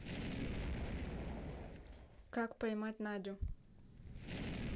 как поймать надю